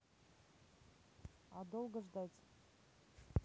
а долго ждать